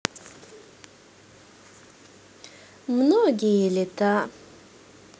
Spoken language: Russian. многие лета